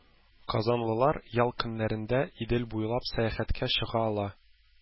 Казанлылар ял көннәрендә Идел буйлап сәяхәткә чыга ала.